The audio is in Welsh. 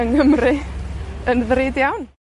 yng Nghymru yn ddrud iawn.